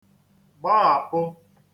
gbahapu